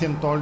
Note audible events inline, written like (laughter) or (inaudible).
(hesitation) (hesitation)